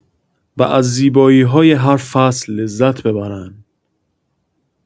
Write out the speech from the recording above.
و از زیبایی‌های هر فصل لذت ببرن.